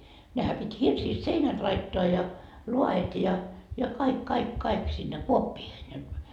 nehän piti hirsistä seinät laittaa ja laet ja ja kaikki kaikki kaikki sinne kuoppiin ja